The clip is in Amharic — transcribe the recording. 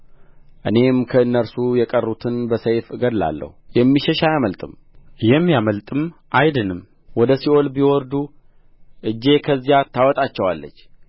እኔም ከእነርሱ የቀሩትን በሰይፍ እገድላለሁ የሚሸሽ አያመልጥም የሚያመልጥም አይድንም ወደ ሲኦል ቢወርዱ እጄ ከዚያ ታወጣቸዋለች